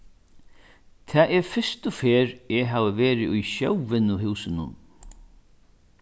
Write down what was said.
tað er fyrstu ferð eg havi verið í sjóvinnuhúsinum